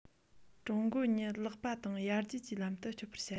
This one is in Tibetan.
ཀྲུང གོ ཉིད ལེགས པ དང ཡར རྒྱས ཀྱི ལམ དུ སྐྱོད པར བྱ